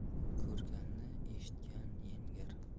ko'rganni eshitgan yengar